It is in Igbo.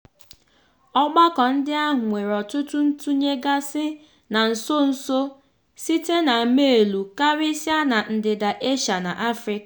Ọgbakọ ndị ahụ nwere ọtụtụ ntụnye gasị na nsonso site na meelụ karịsịa na Ndịda Asia na Afrịka.